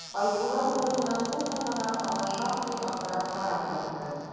Айбулат, урыныннан купмый гына, аңа шактый аптырап карап ятты.